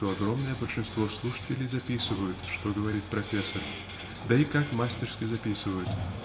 что огромное большинство слушателей записывают что говорит профессор -- да и как мастерски записывают!